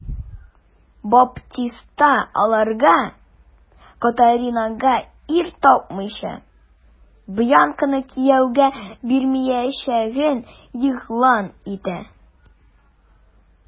Баптиста аларга, Катаринага ир тапмыйча, Бьянканы кияүгә бирмәячәген игълан итә.